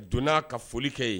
A donna a ka foli kɛ ye